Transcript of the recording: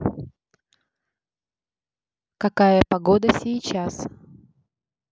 какая погода сейчас